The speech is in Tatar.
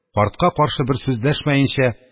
Картка каршы бер сүз дәшмәенчә,